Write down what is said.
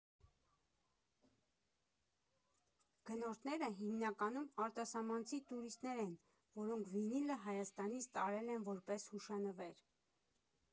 Գնորդները հիմնականում արտասահմանցի տուրիստներ են, որոնք վինիլը Հայաստանից տարել են որպես հուշանվեր։